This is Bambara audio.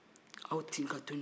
aw tin ka to ɲɔgɔn na